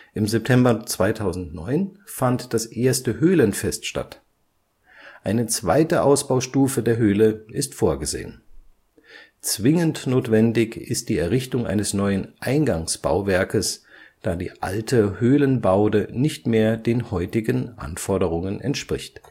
Im September 2009 fand das erste Höhlenfest statt. Eine zweite Ausbaustufe der Höhle ist vorgesehen. Zwingend notwendig ist die Errichtung eines neuen Eingangsbauwerkes, da die alte Höhlenbaude nicht mehr den heutigen Anforderungen entspricht